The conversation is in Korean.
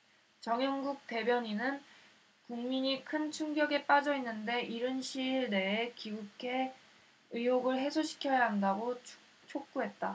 정연국 대변인은 국민이 큰 충격에 빠져 있는데 이른 시일 내에 귀국해 의혹을 해소시켜야 한다고 촉구했다